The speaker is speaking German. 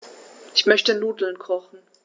Ich möchte Nudeln kochen.